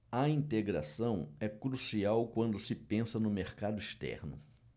a integração é crucial quando se pensa no mercado externo